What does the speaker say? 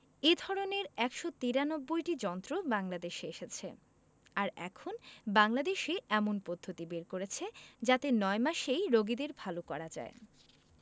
এ ধরনের ১৯৩টি যন্ত্র বাংলাদেশে এসেছে আর এখন বাংলাদেশই এমন পদ্ধতি বের করেছে যাতে ৯ মাসেই রোগীদের ভালো করা যায়